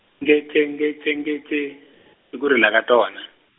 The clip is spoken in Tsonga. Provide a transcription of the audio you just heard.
ngece ngece ngece, i ku rila ka tona.